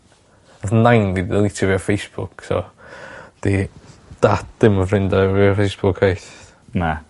Nath nain fi ddelîtio fi o Facebook so 'di dad dim yn ffrindie efo fi ar Facebook chwaith. Na.